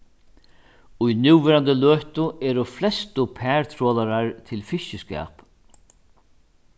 í núverandi løtu eru flestu partrolarar til fiskiskap